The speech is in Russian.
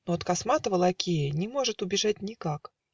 Но от косматого лакея Не может убежать никак